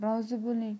rozi bo'ling